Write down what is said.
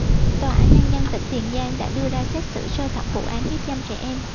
tòa án nhân dân tỉnh tiền giang đã đưa ra xét xử sơ thẩm vụ án hiếp dâm trẻ em